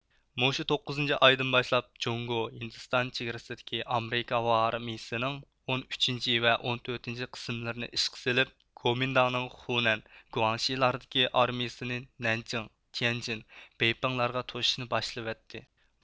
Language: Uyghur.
مۇشۇ توققۇزىنچى ئايدىن باشلاپ جۇڭگو ھىندىستان چېگرىسىدىكى ئامېرىكا ھاۋا ئارمىيىسىنىڭ ئون ئۈچىنچى ۋە ئون تۆتىنچى قىسىملىرىنى ئىشقا سېلىپ گومىنداڭنىڭ خۇنەن گۇاڭشىلاردىكى ئارمىيىسىنى نەنجىڭ تيەنجىن بېيپىڭلارغا توشۇشنى باشلىۋەتتى